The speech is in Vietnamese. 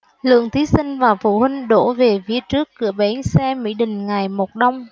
lượng thí sinh và phụ huynh đổ về phía trước cửa bến xe mỹ đình ngày một đông